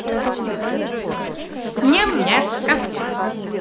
нямняшка